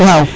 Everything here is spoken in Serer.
waw